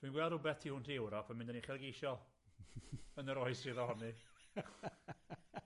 Dwi'n gweld rwbeth tu hwnt i Ewrop yn mynd yn uchelgeisiol yn yr oes sydd ohoni.